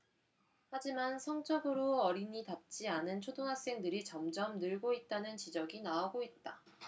하지만 성적으로 어린이 답지 않은 초등학생들이 점점 늘고 있다는 지적이 나오고 있다